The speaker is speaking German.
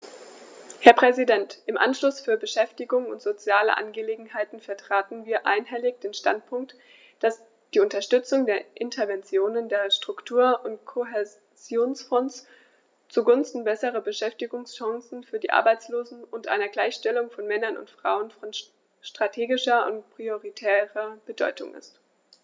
Herr Präsident, im Ausschuss für Beschäftigung und soziale Angelegenheiten vertraten wir einhellig den Standpunkt, dass die Unterstützung der Interventionen der Struktur- und Kohäsionsfonds zugunsten besserer Beschäftigungschancen für die Arbeitslosen und einer Gleichstellung von Männern und Frauen von strategischer und prioritärer Bedeutung ist.